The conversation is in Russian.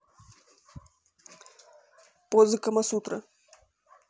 позы камасутры